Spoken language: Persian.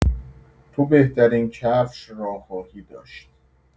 تو بهترین کفش را خواهی داشت.